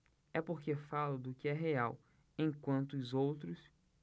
é porque falo do que é real enquanto os outros